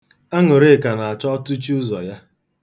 Aṅụrịka na-achọ ọtụchi ụzọ ya.